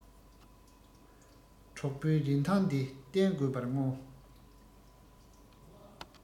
གྲོགས པོའི རིན ཐང འདི རྟེན དགོས པར མངོན